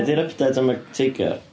Be di'r ypdet am y teigar?